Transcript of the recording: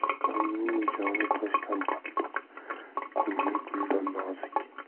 insonning joni toshdan qattiq ko'ngli guldan nozik